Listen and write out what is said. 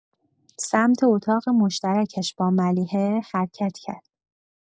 سمت اتاق مشترکش با ملیحه حرکت کرد.